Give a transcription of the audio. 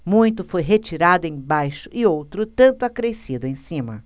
muito foi retirado embaixo e outro tanto acrescido em cima